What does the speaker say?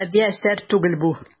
Гади әсәр түгел бу.